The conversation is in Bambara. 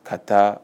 Ka taa